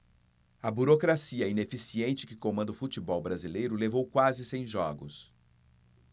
a burocracia ineficiente que comanda o futebol brasileiro levou quase cem jogos